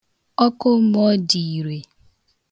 Ọkụmmụọ dị ire.